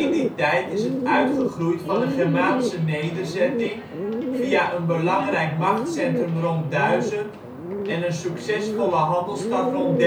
die tijd is het uitgegroeid van een Germaanse nederzetting, via een belangrijk machtcentrum rond 1000 en een succesvolle handelsstad rond